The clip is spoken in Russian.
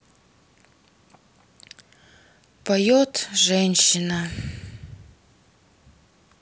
поет женщина